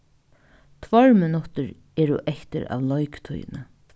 tveir minuttir eru eftir av leiktíðini